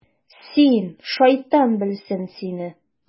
Син, шайтан белсен сине...